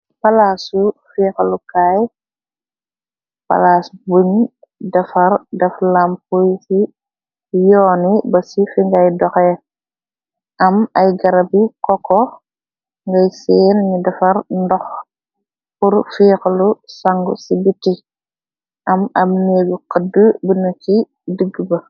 Palaasu fiixlukaay, palaas buñ defar def lampu ci yooni ba ci fi ngay doxee, am ay garab yi koko, ngay seen ni defar ndox, pur fiixlu sangu ci biti, am ab neegu xëdd bu na ci digg ba.